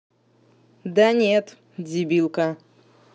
да нет дебилка